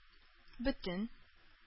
Бөтен